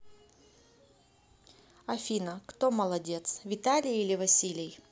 афина кто молодец виталий или василий